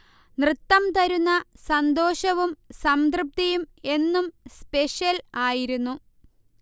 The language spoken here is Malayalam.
നൃത്തം തരുന്ന സന്തോഷവും സംതൃപ്തിയും എന്നും സ്പെഷൽ ആയിരുന്നു